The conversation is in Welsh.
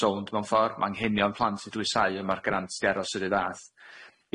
sownd mewn ffor ma' anghenion plant 'di dwysáu on' ma'r grant 'di aros yr un fath.